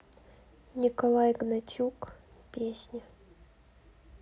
николай гнатюк песни